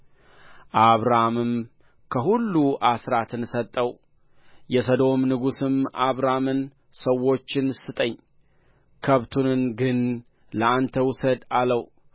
አብራምም ከሁሉ አሥራትን ሰጠው የሰዶም ንጉሥም አብራምን ሰዎቹን ስጠኝ ከብቱን ግን ለአንተ ውሰድ አለው